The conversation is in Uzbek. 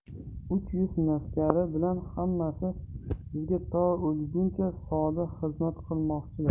uch yuz navkari bilan hammasi sizga to o'lguncha sodiq xizmat qilmoqchilar